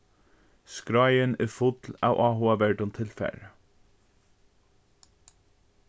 skráin er full av áhugaverdum tilfari